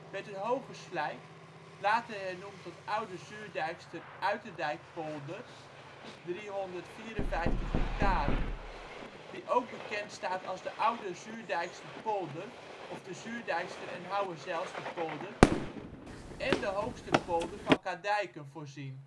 werden het ' Hooge Slijck ' (later hernoemd tot Oude Zuurdijkster Uiterdijkspolder (354 hectare), die ook bekendstaat als de ' Oude Zuurdijkster Polder ' of de ' Zuurdijkster en Houwerzijlsterpolder ') en de Hoogsterpolder van kadijken voorzien